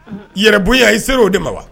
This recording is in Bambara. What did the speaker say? I yɛrɛ bonya i ser oo de ma wa